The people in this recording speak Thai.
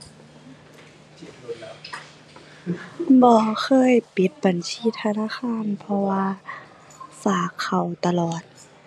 บ่เคยปิดบัญชีธนาคาร เพราะว่าฝากเข้าตลอด